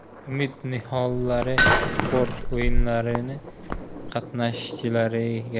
umid nihollari sport o'yinlari qatnashchilariga